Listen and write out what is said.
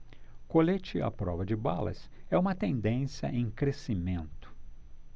colete à prova de balas é uma tendência em crescimento